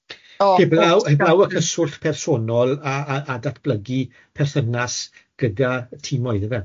O... heblaw heblaw y cyswllt personol a a a datblygu perthynas gyda timoedd yfe.